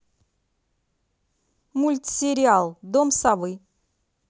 мультсериал дом совы